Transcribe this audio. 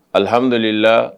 Alihamdulilila